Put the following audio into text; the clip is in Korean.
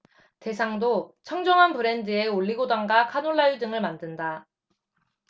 대상도 청정원 브랜드의 올리고당과 카놀라유 등을 만든다